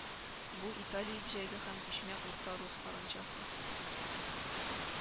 Бу Италия бөҗәге һәм күчмә урта рус саранчасы